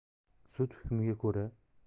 sud hukmiga ko'ra